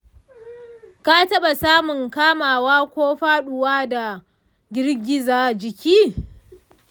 ka taɓa samun kamawa ko faduwa da girgiza jiki?